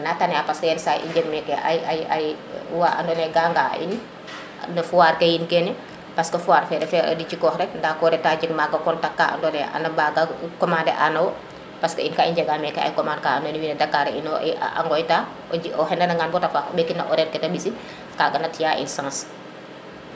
ana tane a parce que yenisay o jeg meke ay ay wa ndo naye ka nga a in no foire ke yi kene parce foire refe jikox rek nda ko reta jeg maga ka ando naye a mbaga commander a na wo parce in ka i njega meke ay commande ka ando naye Dackar a inora a ŋoy ta o xena ngan bata faax o mbekin no oraire ke te mbisin kaga na ciya in saas